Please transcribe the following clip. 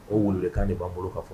O wolo de kani ban bolo ka fɔ